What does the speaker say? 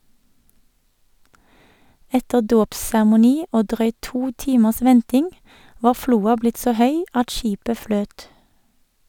Etter dåpsseremoni og drøyt to timers venting var floa blitt så høy at skipet fløt.